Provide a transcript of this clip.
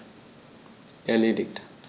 Erledigt.